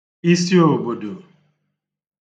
isiòbòdò